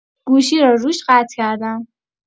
گوشی رو روش قطع کردم.